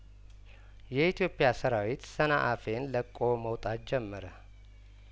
የኢትዮጵያ ሰራዊት ሰንአፌን ለቆ መውጣት ጀመረ